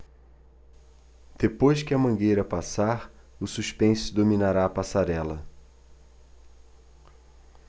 depois que a mangueira passar o suspense dominará a passarela